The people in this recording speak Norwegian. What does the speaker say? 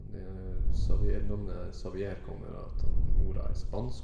Xavier Navnet Xavier kommer av at han mora er spansk.